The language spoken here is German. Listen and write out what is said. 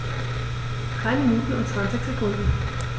3 Minuten und 20 Sekunden